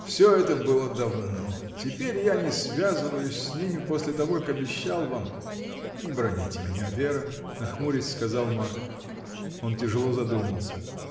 — Всё это было давно; теперь я не связываюсь с ними, после того как обещал вам. Не браните меня, Вера! — нахмурясь, сказал Марк. Он тяжело задумался.